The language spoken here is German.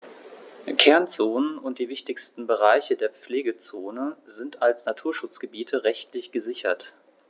Kernzonen und die wichtigsten Bereiche der Pflegezone sind als Naturschutzgebiete rechtlich gesichert.